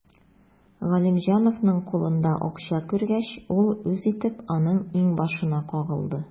Галимҗановның кулында акча күргәч, ул үз итеп аның иңбашына кагылды.